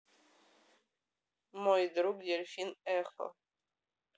мой друг дельфин эхо